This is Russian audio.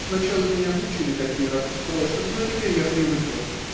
Сначала меня мучили такие расспросы, но теперь я привыкла.